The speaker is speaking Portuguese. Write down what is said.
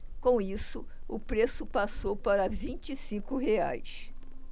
com isso o preço passou para vinte e cinco reais